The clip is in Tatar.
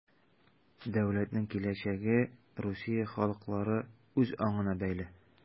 Дәүләтнең киләчәге Русия халыклары үзаңына бәйле.